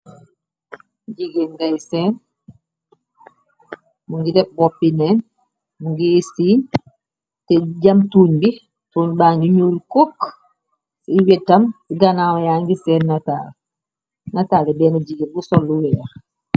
Jigéen ngay seen mu ngi def boppi neen, mu ngi sinyi, te jam tuuñ bi, tuuñ ba ngi ñuul , cook ci wetam ci ganaawya ngi seen nataale benn jigéen bu sollu weex.